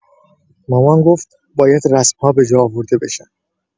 مامان گفت باید رسم‌ها به‌جا آورده بشن.